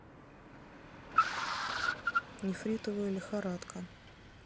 нефритовая лихорадка